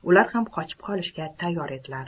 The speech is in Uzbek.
ular ham qochib qolishga tayyor edilar